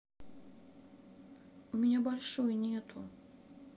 у меня большой нету